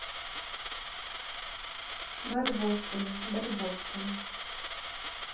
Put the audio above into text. барбоскины барбоскины